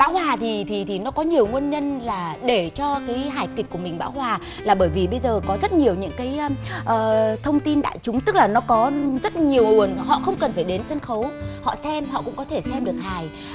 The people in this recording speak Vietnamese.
bão hòa thì thì thì nó có nhiều nguyên nhân là để cho thấy hài kịch của mình bão hòa là bởi vì bây giờ có rất nhiều những cái ờ thông tin đại chúng tức là nó có rất nhiều nguồn họ không cần phải đến sân khấu họ xem họ cũng có thể xem được hài